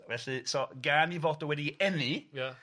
Felly so gan 'i fod o wedi eni... Ia.